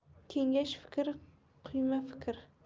kengash fikr quyma fikr